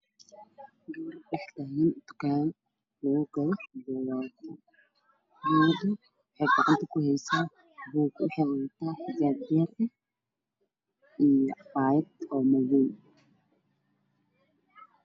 Gabar dhaxtagan dukan laku gado bugaag gabadha waxey gacanta kuheysa buug waxeyna watata xiijab baar eh io cadayad Oo madow